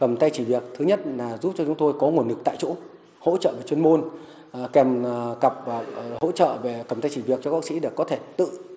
cầm tay chỉ việc thứ nhất là giúp cho chúng tôi có nguồn lực tại chỗ hỗ trợ về chuyên môn kèm cặp và hỗ trợ về cầm tay chỉ việc cho bác sĩ để có thể tự